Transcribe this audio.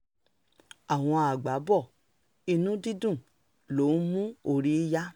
Awọn àgbá bọ̀, inú dídùn l'ó ń mú orí yá.